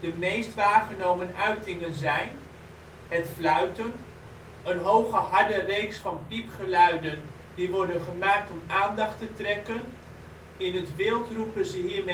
meest waargenomen uitingen zijn: Het " fluiten ", een hoge harde reeks van piepgeluiden die worden gemaakt om aandacht te trekken. In het wild roepen ze